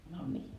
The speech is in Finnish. no niin